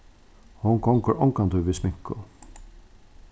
hon gongur ongantíð við sminku